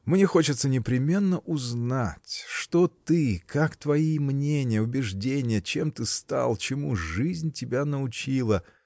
Мне хочется непременно узнать, что ты, какие твои мнения, убежденья, чем ты стал, чему жизнь тебя научила?